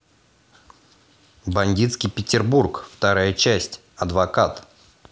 бандитский петербург вторая часть адвокат